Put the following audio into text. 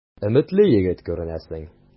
Өметле егет күренәсең.